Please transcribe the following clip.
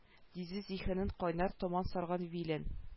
Диде зиһенен кайнар томан сарган вилен